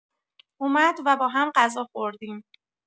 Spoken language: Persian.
اومد و باهم غذا خوردیم.